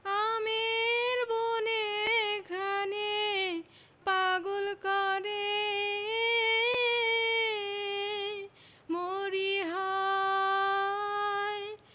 আমের বনে ঘ্রাণে পাগল করে মরিহায়